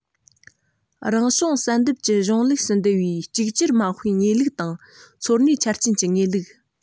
རང བྱུང བསལ འདེམས ཀྱི གཞུང ལུགས སུ འདུ བའི གཅིག གྱུར མ དཔེའི ངེས ལུགས དང འཚོ གནས ཆ རྐྱེན གྱི ངེས ལུགས